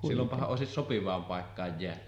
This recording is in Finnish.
silloinpahan olisi sopivaan paikkaan jäänyt